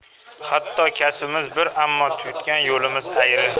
hatto kasbimiz bir ammo tutgan yo'limiz ayri